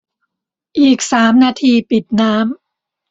อีกสามนาทีปิดน้ำ